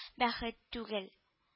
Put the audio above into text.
Бәхет түгел